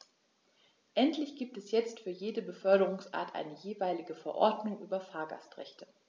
Endlich gibt es jetzt für jede Beförderungsart eine jeweilige Verordnung über Fahrgastrechte.